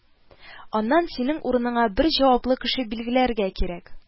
Аннан синең урыныңа бер җаваплы кеше билгеләргә кирәк